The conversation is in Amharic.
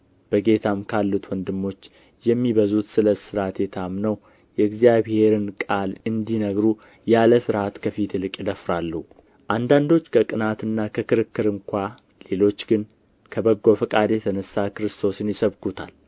በጌታም ካሉት ወንድሞች የሚበዙት ስለ እስራቴ ታምነው የእግዚአብሔርን ቃል እንዲነግሩ ያለ ፍርሃት ከፊት ይልቅ ይደፍራሉ አንዳንዶች ከቅንአትና ከክርክር እንኳ ሌሎች ግን ከበጎ ፈቃድ የተነሣ ክርስቶስን ይሰብኩታል